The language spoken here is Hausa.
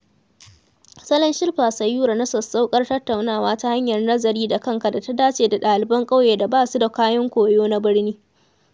Salon Shilpa Sayura na sassauƙar tattaunawa ta hanyar nazari da kanka da ta dace da ɗaliban ƙauye da ba su da kayan koyo na birni.